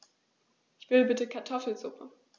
Ich will bitte Kartoffelsuppe.